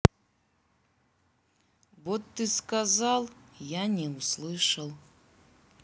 вот ты сказал я не услышал